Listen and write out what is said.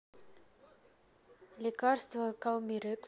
лекарство калмирекс